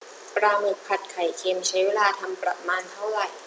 ปลาหมึกผัดไข่เค็มใช้เวลาทำประมาณเท่าไหร่